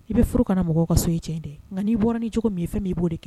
I bi furu ka na mɔgɔw ka so. O ye cɛn de ye. Ngan i bɔra ni jogo min ye fɛn mi bo de kɛ